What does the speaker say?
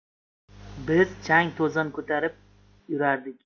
biz chang to'zon ko'tarib yurardik